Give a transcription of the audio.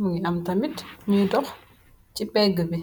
mingi am tamit nyi dox si pege bi.